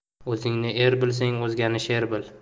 o'zingni er bilsang o'zgani sher bil